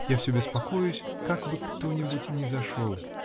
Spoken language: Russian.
Я все беспокоюсь, как бы кто-нибудь не зашел.